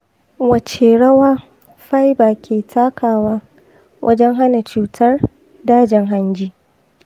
wace rawa fiber ke takawa wajen hana cutar dajin hanji?